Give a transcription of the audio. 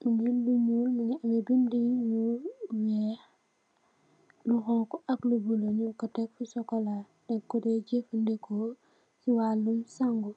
bum bu nuul muge ameh bede yu nuul weex lu xonxo ak lu bulo nugku tek fu sukola dang ku de jufaneku se walum sagu.